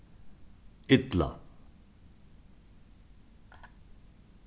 illa